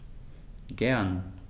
Gern.